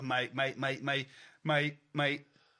a mai mai mai mai mai mai